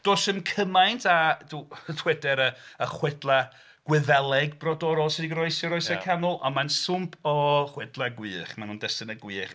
Does 'na'm cymaint a d- dyweder y... y chwedlau Gwyddelig brodorol sy 'di goroesi'r Oesau Canol ond mae'n swmp o chwedlau gwych. Maen nhw'n destunau gwych.